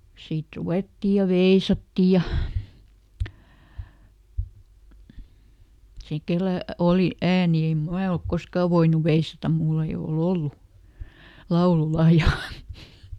sitten ruvettiin ja veisattiin ja se kenellä oli ääni en minä ole koskaan voinut veisata minulla ei ole ollut laululahjaa